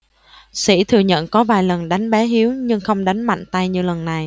sĩ thừa nhận có vài lần đánh bé hiếu nhưng không đánh mạnh tay như lần này